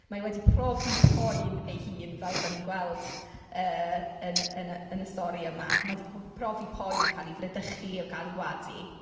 Ma' o wedi profi poen ei hun, fel dan ni'n gweld yy yn y- yn y stori yma. Mae 'di gw- profi poen o cael ei fradychu o gael ei wadu.